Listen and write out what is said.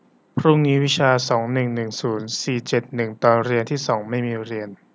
พรุ่งนี้วิชาสองหนึ่งหนึ่งศูนย์สี่เจ็ดหนึ่งตอนเรียนที่สองไม่มีเรียน